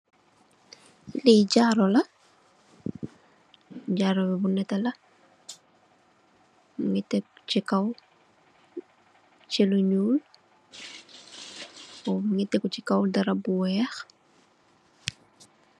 Lee jaaru la jaaru be bu neteh la muge tegu che kaw che lu nuul muge tegu se kaw darab bu weex.